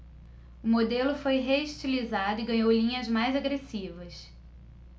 o modelo foi reestilizado e ganhou linhas mais agressivas